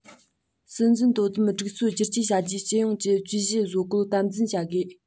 སྲིད འཛིན དོ དམ སྒྲིག སྲོལ བསྒྱུར བཅོས བྱ རྒྱུའི སྤྱི ཡོངས ཀྱི ཇུས གཞི བཟོ འགོད དམ འཛིན བྱ དགོས